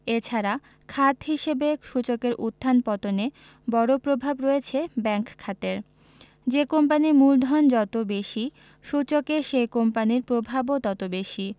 এ ছাড়া খাত হিসেবে সূচকের উত্থান পতনে বড় প্রভাব রয়েছে ব্যাংক খাতের যে কোম্পানির মূলধন যত বেশি সূচকে সেই কোম্পানির প্রভাবও তত বেশি